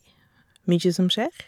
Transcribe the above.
Mye som skjer.